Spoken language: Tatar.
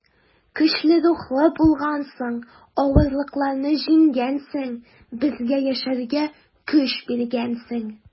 Көчле рухлы булгансың, авырлыкларны җиңгәнсең, безгә яшәргә көч биргәнсең.